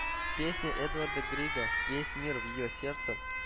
Песня Эдварда Грига “Весь мир в ее сердце”